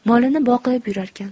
molini boqib yurarkan